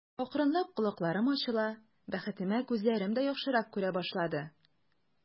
Акрынлап колакларым ачыла, бәхетемә, күзләрем дә яхшырак күрә башлады.